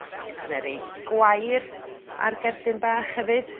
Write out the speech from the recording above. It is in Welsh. ne' roi gwair a'r gerdyn bach hefyd.